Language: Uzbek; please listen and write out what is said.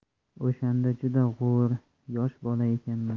o'shanda juda g'o'r yosh bola ekanman